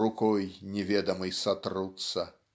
Рукой неведомой сотрутся.